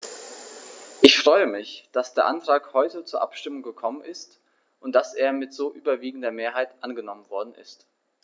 Ich freue mich, dass der Antrag heute zur Abstimmung gekommen ist und dass er mit so überwiegender Mehrheit angenommen worden ist.